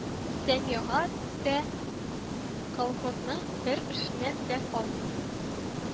Сәмига дә колхозның бер эшеннән дә калмый